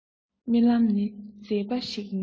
རྨི ལམ ནི མཛེས པ ཞིག ཡིན ནམ